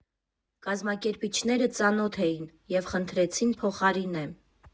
Կազմակերպիչները ծանոթ էին և խնդրեցին փոխարինեմ։